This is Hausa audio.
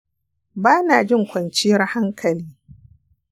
banajin kwanciyar hankali